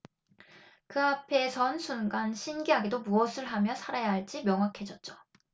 그 앞에 선 순간 신기하게도 무엇을 하며 살아야 할지 명확해졌죠